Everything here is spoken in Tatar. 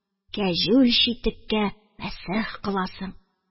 Кәҗүл читеккә мәсех кыласың.